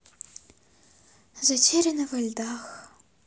затерянный во льдах